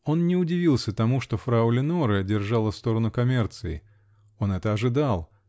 Он не удивился тому, что фрау Леноре держала сторону коммерции, -- он это ожидал